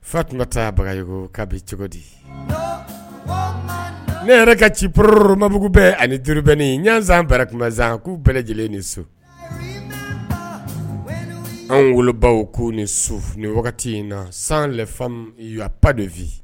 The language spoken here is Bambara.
Fa tun ka taa baga ka bi cogo di ne yɛrɛ ka ci poromabugu bɛɛ ani duuruurubɛn ɲsanrɛ tun bɛ zan k'u bɛɛ lajɛlen ni su an wolobaw ko ni su ni wagati in na san ba de bi